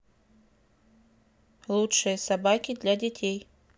лучшие собаки для детей